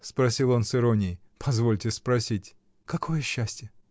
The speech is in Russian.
— спросил он с иронией, — позвольте спросить. — Какое счастье?